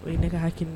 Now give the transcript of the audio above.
O ye ne ka haki